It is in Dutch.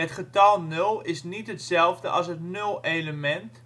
getal nul is niet hetzelfde als het nul-element